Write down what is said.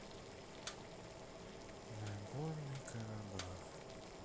нагорный карабах